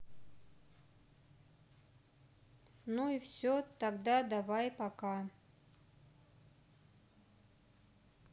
ну и все тогда давай пока